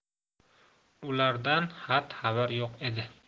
ulardan xat xabar yo'q edi